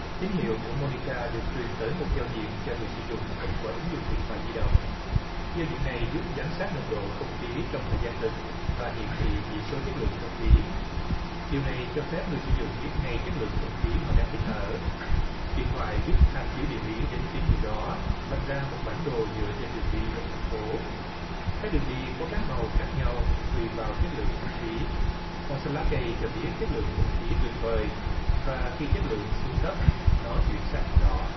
tín hiệu của mô ni ca được truyền tới một giao diện cho người sử dụng thông qua ứng dụng điện thoại di động giao diện này giúp giám sát nồng độ không khí trong thời gian thực và hiển thị chỉ số chất lượng không khí điều này cho phép người sử dụng biết ngay chất lượng không khí họ đang hít thở điện thoại giúp tham chiếu địa lý đến tín hiệu đó vạch ra một bản đồ dựa trên đường đi trong thành phố các đường đi có các màu khác nhau tùy vào chất lượng không khí màu xanh lá cây cho biết chất lượng không khí tuyệt vời và khi chất lượng xuống cấp nó chuyển sang màu đỏ